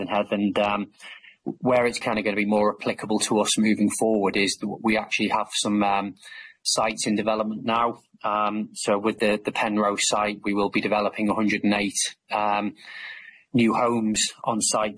Llanhedd and yym where it's kind of going to be more applicable to us moving forward is we actually have some um sites in development now um so with the the Penrose site we will be developing a hundred and eight um new homes on site